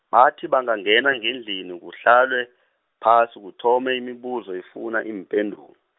bathi bangangena ngendlini kuhlalwe, phasi kuthome imibuzo efuna iimpendulo.